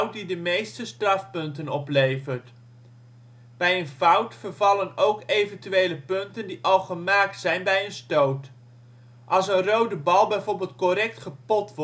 die de meeste strafpunten oplevert. Bij een fout vervallen ook eventuele punten die al gemaakt zijn bij een stoot. Als een rode bal bijvoorbeeld correct gepot